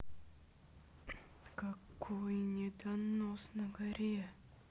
какой недонос на горе